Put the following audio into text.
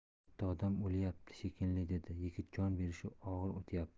katta odam o'lyapti shekilli dedi yigit jon berishi og'ir o'tyapti